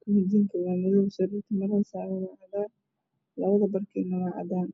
koomadiinka waa madoow sariirta marada saaran waa cadaan labada barkina waa cadaan